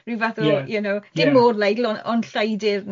ryw fath o... ie.... you know... ie... dim môr leidlon ond lleidr ne